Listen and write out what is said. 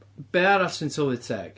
Be arall sy'n tylwyth teg?